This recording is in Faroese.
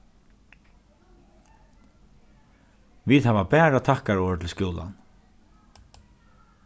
vit hava bara takkarorð til skúlan